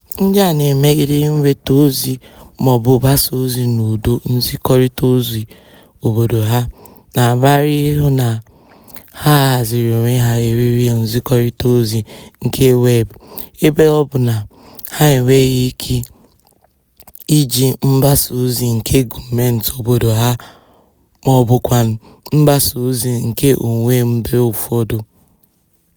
Ndị a na-emegide inweta ozi maọbụ gbasaa ozi n'ụdọ nzikọrịtaozi obodo ha, na-agbagharị ị hụ na ha haziri onwe ha eriri nzikọrịtaozi nke weebụ, ebe ọ bụ na ha enweghị ike iji mgbasa ozi nke gọọmenti obodo ha maọbụkwanụ mgbasa ozi nke onwe mgbe ụfọdụ.